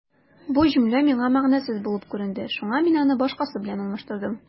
Бу җөмлә миңа мәгънәсез булып күренде, шуңа мин аны башкасы белән алмаштырдым.